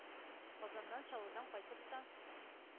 Казаннан, Чаллыдан кайтып та